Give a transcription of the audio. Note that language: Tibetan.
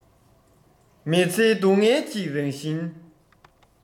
མི ཚེའི སྡུག བསྔལ གྱི རང བཞིན